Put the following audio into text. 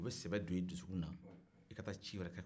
o bɛ sɛbɛ don i dusukun na i ka taa ci wɛrɛ kɛ